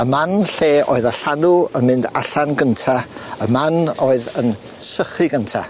Y man lle oedd y llanw yn mynd allan gynta y man oedd yn sychu gynta.